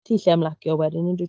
Ti'n gallu ymlacio wedyn yn dwy-...